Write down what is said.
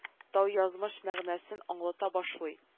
Тау язмыш мәгънәсен аңлата башлый